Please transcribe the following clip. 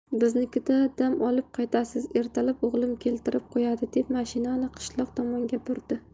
biznikida dam olib qaytasiz ertalab o'g'lim keltirib qo'yadi deb mashinani qishloq tomonga burdi